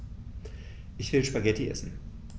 Ich will Spaghetti essen.